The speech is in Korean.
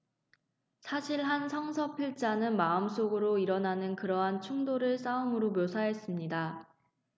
사실 한 성서 필자는 마음속에서 일어나는 그러한 충돌을 싸움으로 묘사했습니다